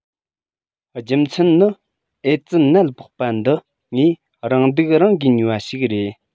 རྒྱུ མཚན ནི ཨེ ཙི ནད ཕོག པ འདི ངས རང སྡུག རང གིས ཉོས པ ཞིག རེད